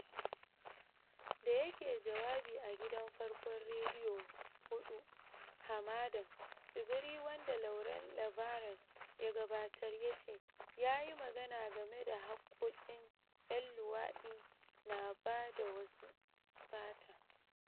Da yake jawabi a gidan farko Rediyo 4 Hamadan Tsibiri wanda Lauren Laverne ya gabatar, ya ce ya yi magana game da hakkokin 'yan luwadi na ba da wasu "fata".